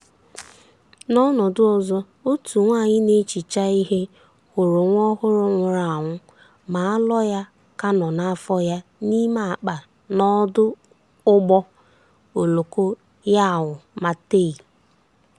N'ọnọdụ ọzọ, otu nwaanyị na-ehicha ihe hụrụ nwa ọhụrụ nwụrụ anwụ ma alọ ya ka nọ n'afọ ya n'ime akpa n'ọdụ ụgbọ oloko Yau Ma Tei.